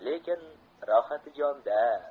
lekin rohatijon da